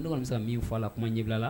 Ne kɔni bɛ san min' fɔ la kuma ɲɛbila la